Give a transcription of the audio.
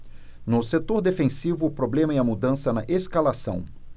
no setor defensivo o problema é a mudança na escalação